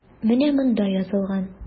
Менә монда язылган.